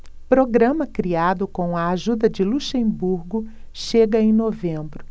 programa criado com a ajuda de luxemburgo chega em novembro